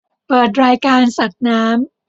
เปิดรายการสัตว์น้ำ